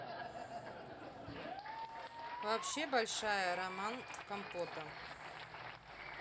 вообще большая роман компота